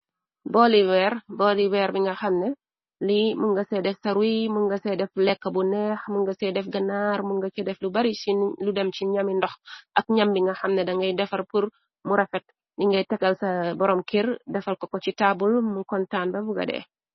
Booliweer booliweere bi nga xamne i mu nga say def saruy mu nga say def lekka bu neex mu nga say def ganaar mu nga co def lu bari si lu dem ci ñami ndox ak ñam bi nga xamne da ngay defar pur mu rafet di ngay tegal sa boroom kir defal ko ko ci taabul mu kontaan be bugade.